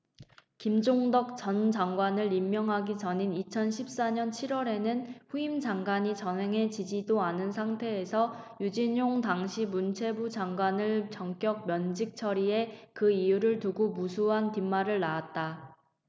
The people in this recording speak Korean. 김종덕 전 장관을 임명하기 전인 이천 십 사 년 칠 월에는 후임 장관이 정해지지도 않은 상태에서 유진룡 당시 문체부 장관을 전격 면직 처리해 그 이유를 두고 무수한 뒷말을 낳았다